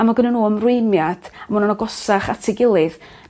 a ma' gynnyn n'w ymrwymiad a ma' nw'n agosach at ei gilydd